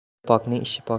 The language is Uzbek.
dili pokning ishi pok